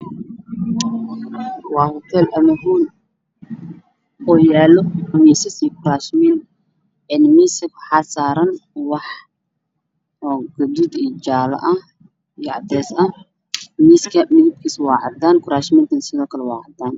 Waa huteel ama howl oo yaalo miisas iyo kuraasmiin miiska waxaa saaran wax oo gaduud iyo jaallo ah iyo cadays ah miiska midabkiisa waa cadaan kuraasman midabkiisa sidoo kale waa cadaan.